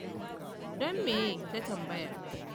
Dan meye? ta tambaya.